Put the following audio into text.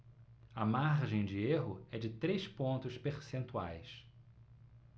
a margem de erro é de três pontos percentuais